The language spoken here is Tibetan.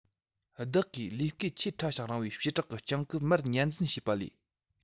བདག གིས ལུས སྐེད ཆེས ཕྲ ཞིང རིང བའི བྱེ བྲག གི སྤྱང ཀི མར ཉར འཛིན བྱས པ ལས